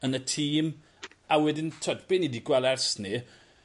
yn y tîm. A wedyn t'wod be' ni 'di gweld ers 'ny